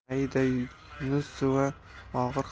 aida yunusova og'ir